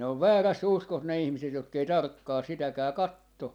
ne on väärässä uskossa ne ihmiset jotka ei tarkkaan sitäkään katso